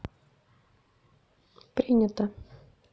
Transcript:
принято